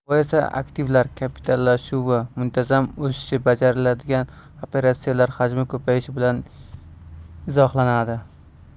bu esa aktivlar kapitallashuvi muntazam o'sishi bajariladigan operatsiyalar hajmi ko'payishi bilan izohlanadi